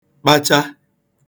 kpacha